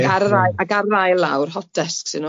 Ac ar yr ail ac ar yr ail lawr, hot desks 'y n'w...